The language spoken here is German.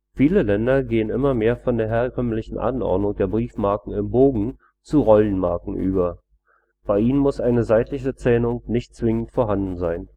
Viele Länder gehen immer mehr von der herkömmlichen Anordnung der Briefmarken im Bogen zu Rollenmarken über. Bei ihnen muss eine seitliche Zähnung nicht zwingend vorhanden sein